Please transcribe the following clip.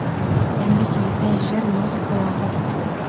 Иртәнге сигездән җыр, музыка яңгырап торды.